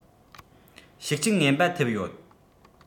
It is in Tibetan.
ཤུགས རྐྱེན ངན པ ཐེབས ཡོད